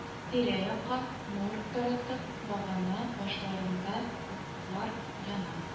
Тирә-якка нур таратып, багана башларында утлар яна